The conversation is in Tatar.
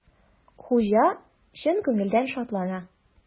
Хуҗа чын күңелдән шатлана.